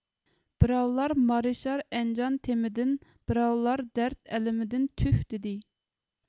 بىراۋلار مارىشار ئەنجان تېمىدىن بىراۋلار دەرد ئەلىمىدىن تۈف دېدى